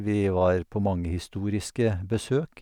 Vi var på mange historiske besøk.